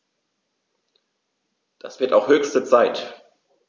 Das wird auch höchste Zeit!